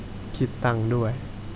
คิดตังค์ด้วย